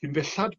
Cyn bellad